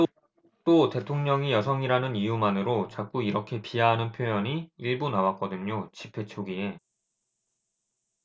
또 대통령이 여성이라는 이유만으로 자꾸 이렇게 비하하는 표현이 일부 나왔거든요 집회 초기에